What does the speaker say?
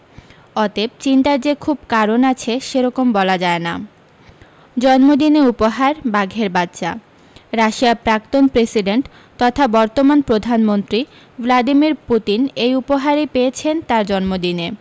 অতেব চিন্তার যে খুব কারণ আছে সেরকম বলা যায় না জন্মদিনের উপহার বাঘের বাচ্চা রাশিয়ার প্রাক্তন প্রেসিডেন্ট তথা বর্তমান প্রধানমন্ত্রী ভলাদিমির পুতিন এই উপহারই পেয়েছেন তাঁর জন্মদিনে